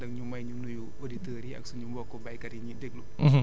parce que da nga ñu may ñu nuyu auditeurs yi ak ak suñu mbokku béykat yi ñuy déglu